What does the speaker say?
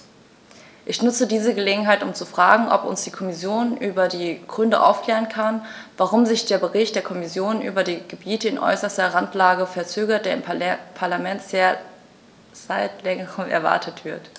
Ich nutze diese Gelegenheit, um zu fragen, ob uns die Kommission über die Gründe aufklären kann, warum sich der Bericht der Kommission über die Gebiete in äußerster Randlage verzögert, der im Parlament seit längerem erwartet wird.